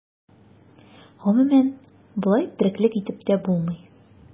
Гомумән, болай тереклек итеп тә булмый.